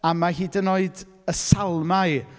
A ma' hyd yn oed y salmau...